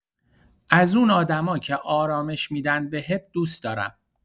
ازون آدما که آرامش می‌دن بهت دوس دارم